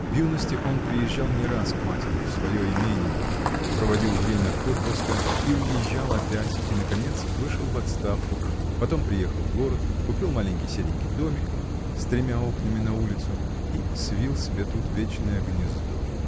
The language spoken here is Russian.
В юности он приезжал не раз к матери, в свое имение, проводил время отпуска и уезжал опять, и наконец вышел в отставку, потом приехал в город, купил маленький серенький домик, с тремя окнами на улицу, и свил себе тут вечное гнездо.